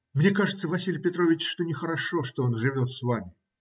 - Мне кажется, Василий Петрович, что нехорошо, что он живет с вами.